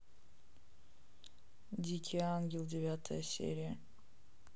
дикий ангел девятая серия